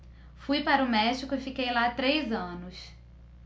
fui para o méxico e fiquei lá três anos